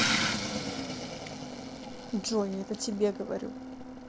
джой я это тебе говорю